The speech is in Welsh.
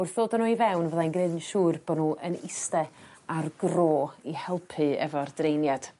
wrth ddod â n'w i fewn fyddai'n gneud yn siŵr bo' n'w yn iste ar gro i helpu efo'r dreiniad.